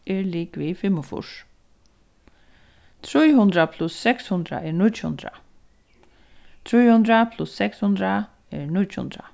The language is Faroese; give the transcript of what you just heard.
er ligvið fimmogfýrs trý hundrað pluss seks hundrað er níggju hundrað trý hundrað pluss seks hundrað er níggju hundrað